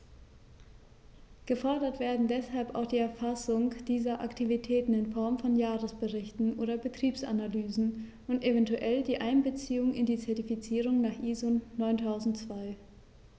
Gefordert werden deshalb auch die Erfassung dieser Aktivitäten in Form von Jahresberichten oder Betriebsanalysen und eventuell die Einbeziehung in die Zertifizierung nach ISO 9002.